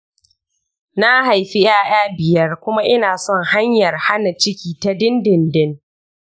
na haifi ‘ya’ya biyar kuma ina son hanyar hana ciki ta dindindin.